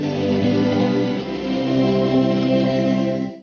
music